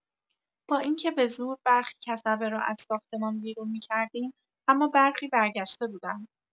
با اینکه به‌زور برخی کسبه را از ساختمان بیرون می‌کردیم، اما برخی برگشته بودند.